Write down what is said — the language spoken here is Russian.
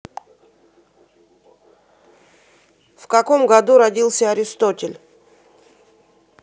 в каком году родился аристотель